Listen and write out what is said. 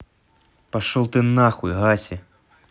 пошел ты нахуй гаси